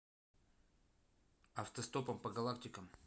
автостопом по галактикам